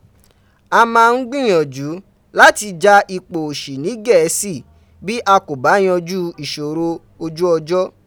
A máa ń gbìyànjú láti ja ipò òṣì ní Gẹ̀ẹ́sì, bí a kò bá yanjú ìṣòro ojú ọjọ́.